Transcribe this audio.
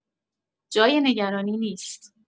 جای نگرانی نیست.